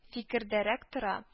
Фикердәрәк тора